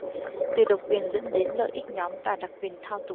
từ độc quyền dẫn đến lợi ích nhóm và đặc quyền thao túng